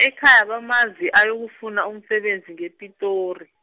ekhaya bamazi ayokufuna umsebenzi ngePitori.